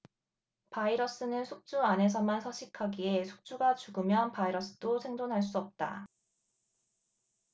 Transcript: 바이러스는 숙주 안에서만 서식하기에 숙주가 죽으면 바이러스도 생존할 수 없다